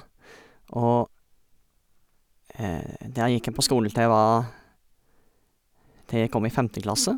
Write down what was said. Og der gikk jeg på skole til jeg var til jeg kom i femteklasse.